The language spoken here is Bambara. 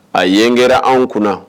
A yen kɛra an kunna